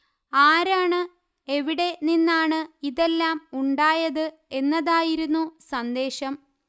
ആരാണ് എവിടെ നിന്നാണ് ഇതെല്ലാം ഉണ്ടായത് എന്നതായിരുന്നു സന്ദേശം